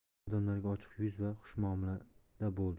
odamlarga ochiq yuz va xushmuomalada bo'ldi